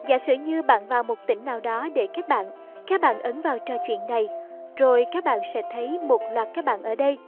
giả sử như bạn vào tỉnh nào đó để kết bạn các bạn ấn vào trò chuyện này rồi các bạn sẽ thấy loạt các bạn ở đây